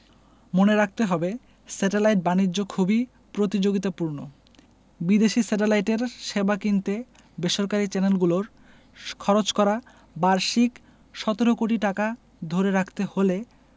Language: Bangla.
মনে রাখতে হবে স্যাটেলাইট বাণিজ্য খুবই প্রতিযোগিতাপূর্ণ বিদেশি স্যাটেলাইটের সেবা কিনতে বেসরকারি চ্যানেলগুলোর খরচ করা বার্ষিক ১৭ কোটি টাকা ধরে রাখতে হলে